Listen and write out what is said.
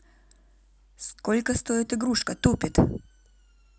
сколько стоит игрушка тупит